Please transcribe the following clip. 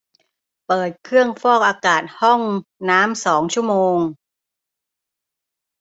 เปิดเครื่องฟอกอากาศห้องน้ำสองชั่วโมง